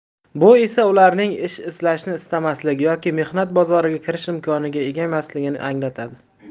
bu esa ularning ish izlashni istamasligi yoki mehnat bozoriga kirish imkoniga ega emasligini anglatadi